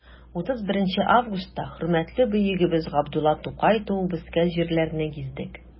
31 августта хөрмәтле бөегебез габдулла тукай туып үскән җирләрне гиздек.